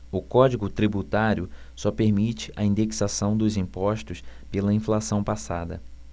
o código tributário só permite a indexação dos impostos pela inflação passada